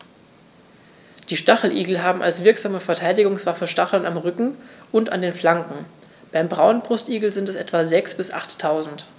Die Stacheligel haben als wirksame Verteidigungswaffe Stacheln am Rücken und an den Flanken (beim Braunbrustigel sind es etwa sechs- bis achttausend).